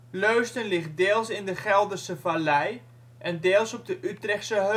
Leusden ligt deels in de Gelderse Vallei en deels op de Utrechtse